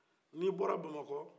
n'i bɔra bamakɔ